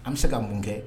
An bɛ se ka mun kɛ